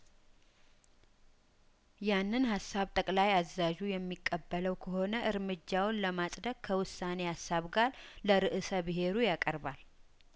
ያንን ሀሳብ ጠቅላይ አዛዡ የሚቀበለው ከሆነ እርምጃውን ለማጽደቅ ከውሳኔ ሀሳብ ጋር ለርእሰ ብሄሩ ያቀርባል